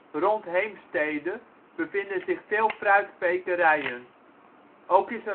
Rond Heemstede bevinden zich veel fruitkwekerijen. Ook is